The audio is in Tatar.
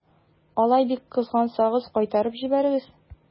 Алай бик кызгансагыз, кайтарып җибәрегез.